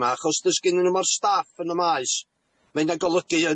'ma achos do's gennyn n'w 'm o'r staff yn y maesm mae hynna'n golygu